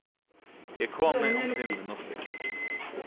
eg komi um fimm minuttir